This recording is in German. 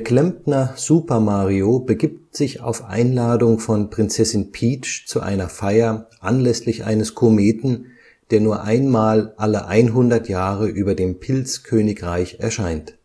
Klempner Super Mario begibt sich auf Einladung von Prinzessin Peach zu einer Feier anlässlich eines Kometen, der nur einmal alle einhundert Jahre über dem Pilzkönigreich erscheint.